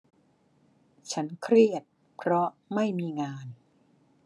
ฉันเครียดเพราะไม่มีงาน